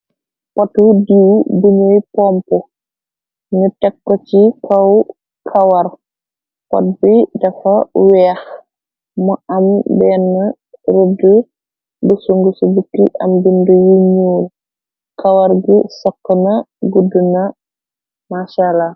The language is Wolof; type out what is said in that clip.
Potu diw buñuy pompu nu tekko ci kaw kawar pot bi dafa weex mu am benn rëdd bësu ngu si bukti am bindu yu ñuul kawar gi sokkona gudduna machala.